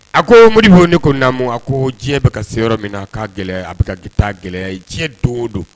A ko Modibo ne ko naamu, a ko diɲɛ bɛ ka se yɔrɔ min na a k'a gɛlɛ a bɛ taa gɛlɛya ye diɲɛ don o don